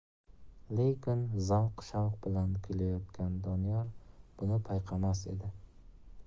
lekin zavq shavq bilan kuylayotgan doniyor buni payqamas edi